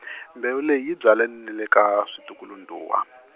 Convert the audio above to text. mbewu leyi yi byaleni ni le ka switukulu-ndzhuwa.